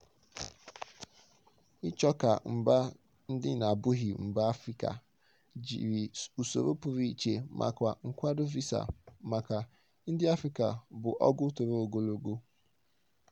Ịchọ ka mba ndị n'abụghị mba Afrịka jiri usoro pụrụ iche maka nkwádo Visa maka ndị Afrịka bụ ọgụ toro ogologo.